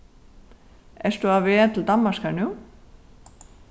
ert tú á veg til danmarkar nú